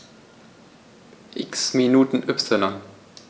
X Minuten Y